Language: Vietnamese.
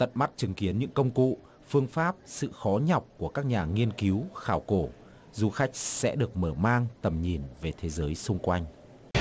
tận mắt chứng kiến những công cụ phương pháp sự khó nhọc của các nhà nghiên cứu khảo cổ du khách sẽ được mở mang tầm nhìn về thế giới xung quanh